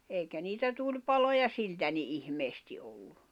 eikä niitä tulipaloja siltä niin ihmeesti ollut